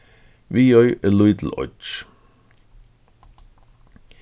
viðoy er lítil oyggj